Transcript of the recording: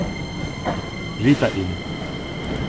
rita inn